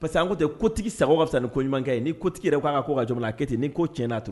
Parce que an ko tɛ kotigi san ka fisa ni koɲumankɛ ye ni kotigi yɛrɛ k'a ka ko ka jamana ke ten ni ko tiɲɛna'a